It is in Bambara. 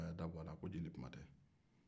a' y'a da bɔ a la ko jelikuma tɛ